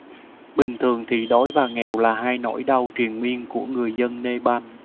bình thường thì đói và nghèo là hai nỗi đau triền miên của người dân nepal